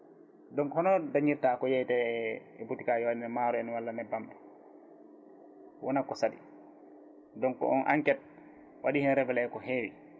donc hono dañirta ko yeyete e boutique ko wayno maaro en walla neebam en wonan ko saaɗi donc on enquête waɗi hen révélé ko heewi